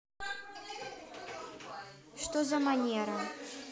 что за манера